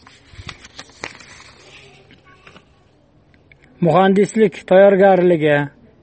muhandislik tayyorgarligi